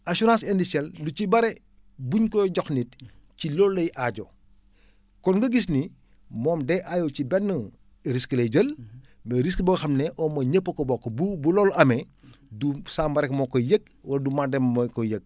assurance indicelle lu ci bëre buñ koy jox nit ci loolu lay aajo kon nga gis ni moom day aajo ci benn risque lay jël mooy risque boop xam ne au moins ñëpp a ko bokk bu bu loolu amee du Samba rek moo koy yëg wala Mademba moo koy yëg